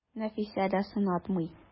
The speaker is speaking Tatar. Нәфисә дә сынатмый.